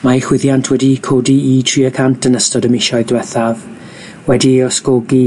Mae chwyddiant wedi codi i tri y cant yn ystod y misoedd diwethaf, wedi'i osgogi